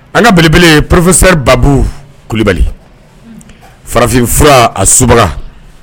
An ka bbele ppsɛ baabu kulubali farafinf a su